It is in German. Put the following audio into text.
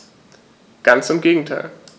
Ganz im Gegenteil.